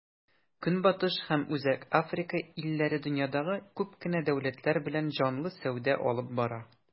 Көнбатыш һәм Үзәк Африка илләре дөньядагы күп кенә дәүләтләр белән җанлы сәүдә алып бара.